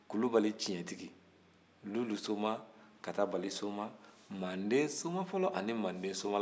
kulubali tiɲɛtigi lulu soma katabali soma mande soma fɔlɔ ani mande soma laban